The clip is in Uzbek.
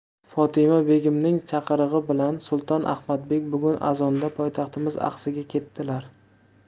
fotima begimning chaqirig'i bilan sulton ahmadbek bugun azonda poytaxtimiz axsiga ketdilar